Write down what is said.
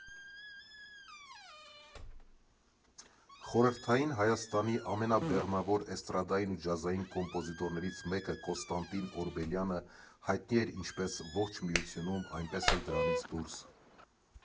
Խորհրդային Հայաստանի ամենաբեղմնավոր էստրադային ու ջազային կոմպոզիտորներից մեկը՝ Կոնստանտին Օրբելյանը, հայտնի էր ինչպես ողջ Միությունում, այնպես էլ դրանից դուրս։